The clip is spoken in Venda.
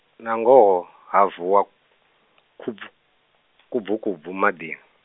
nangoho ha vuwa kubvu, kubvukubvu maḓini.